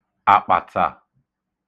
àkpàtà